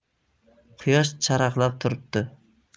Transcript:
quyosh charaqlab turibdi